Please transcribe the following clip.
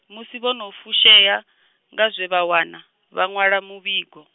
musi vho no fushea, nga zwe vha wana, vha ṅwala muvhigo.